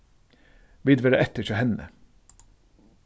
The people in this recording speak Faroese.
vit verða eftir hjá henni